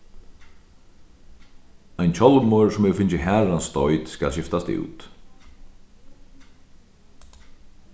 ein hjálmur sum hevur fingið harðan stoyt skal skiftast út